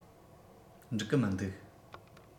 འགྲིག གི མི འདུག